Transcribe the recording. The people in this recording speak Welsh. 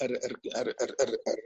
yr yr yr yr yr yy